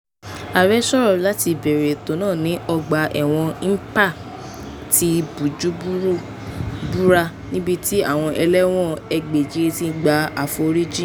Ààrẹ sọ̀rọ̀ láti bẹ̀rẹ̀ ètò náà ní ọgbà ẹ̀wọ̀n Mpinba ti Bujumbura, níbi tí àwọn ẹlẹ́wọ̀n 1,400 ti gba àforíjìn.